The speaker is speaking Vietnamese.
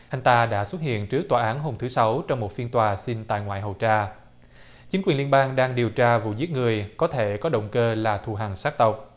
anh ta đã xuất hiện trước tòa án hôm thứ sáu trong một phiên tòa xin tại ngoại hầu tra chính quyền liên bang đang điều tra vụ giết người có thể có động cơ là thù hằn sắc tộc